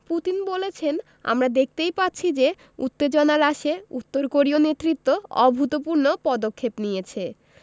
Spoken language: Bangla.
পুতিন বলেছেন আমরা দেখতেই পাচ্ছি যে উত্তেজনা হ্রাসে উত্তর কোরীয় নেতৃত্ব অভূতপূর্ণ পদক্ষেপ নিয়েছে